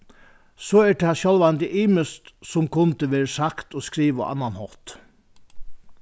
so er tað sjálvandi ymiskt sum kundi verið sagt og skrivað á annan hátt